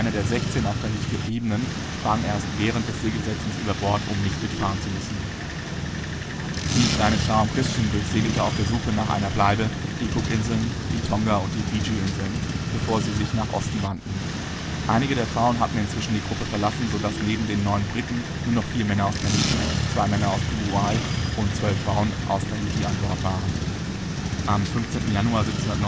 der sechzehn auf Tahiti Gebliebenen sprang erst während des Segelsetzens über Bord, um nicht mitfahren zu müssen. Die kleine Schar um Christian durchsegelte auf der Suche nach einer Bleibe die Cookinseln, die Tonga - und die Fidschi-Inseln, bevor sie sich nach Osten wandten. Einige der Frauen hatten inzwischen die Gruppe verlassen, so dass neben den neun Briten nur noch vier Männer aus Tahiti, zwei Männer aus Tubuai und zwölf Frauen aus Tahiti an Bord waren. Am 15. Januar 1790